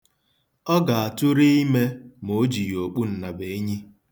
Ọ ga-atụrụ ime ma o jighị okpunnabụenyi.